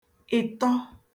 ị̀tọ